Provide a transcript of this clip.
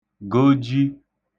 goji